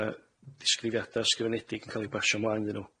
'na ddisgrifiada' ysgrifenedig yn ca'l i basio 'mlaen iddyn nw.